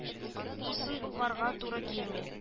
Бу сын болгарга туры килми